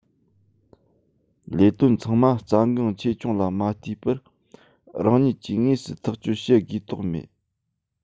ལས དོན ཚང མ རྩ འགངས ཆེ ཆུང ལ མ ལྟོས པར རང ཉིད ཀྱིས དངོས སུ ཐག གཅོད བྱེད དགོས དོགས མེད